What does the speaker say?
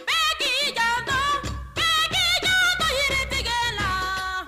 Maa k'itan k ka tɛ tiga la